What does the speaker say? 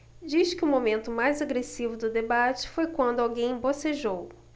diz que o momento mais agressivo do debate foi quando alguém bocejou